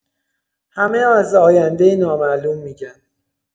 همه از آینده نامعلوم می‌گن.